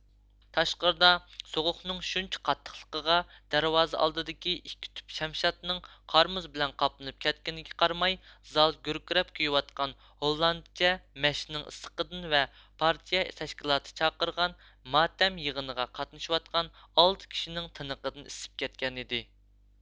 تاشقىرىدا سوغۇقنىڭ شۇنچە قاتتىقلىقىغا دەرۋازا ئالدىدىكى ئىككى تۈپ شەمشادنىڭ قار مۇز بىلەن قاپلىنىپ كەتكىنىگە قارىماي زال گۈركىرەپ كۆيۈۋاتقان ھوللاندچە مەشنىڭ ئىسسىقىدىن ۋە پارتىيە تەشكىلاتى چاقىرغان ماتەم يىغىنىغا قاتنىشىۋاتقان ئالتە كىشىنىڭ تىنىقىدىن ئىسسىپ كەتكەنىدى